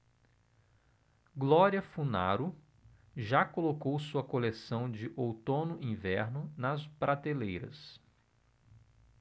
glória funaro já colocou sua coleção de outono-inverno nas prateleiras